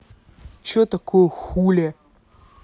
что такое хуле